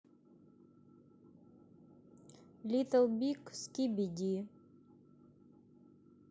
литтл биг скибиди